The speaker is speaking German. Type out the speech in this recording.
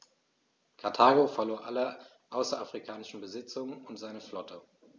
Karthago verlor alle außerafrikanischen Besitzungen und seine Flotte.